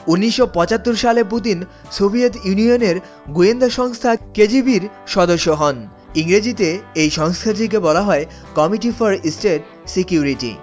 ১৯৭৫ সালে Putin Soviet ইউনিয়নের গোয়েন্দা সংস্থা কেজিবি'র সদস্য হোন ইংরেজিতে এই সংস্থা টিকে বলা হয় কমিটি ফর স্টেট সিকিউরিটি